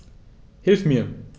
Hilf mir!